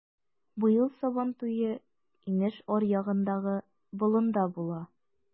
Быел Сабантуе инеш аръягындагы болында була.